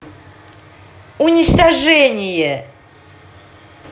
уничтожение